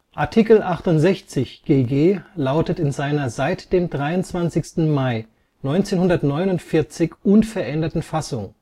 Art. 68 GG lautet in seiner seit dem 23. Mai 1949 unveränderten Fassung